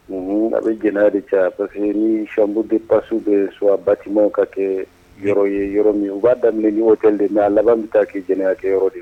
Unhun, a bɛ jɛnɛya de kɛ wa? Parce que ni chambre de passe bɛ soit bâtiment ka kɛ yɔrɔ ye yɔrɔ min , u b'a daminɛ ni hotel de mais a laban bɛ taa kɛ jɛnɛya kɛ yɔrɔ de.